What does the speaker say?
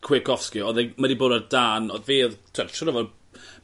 Kwiatkowski odd e mae 'di bod ar dân odd fe odd t'od siŵr o fod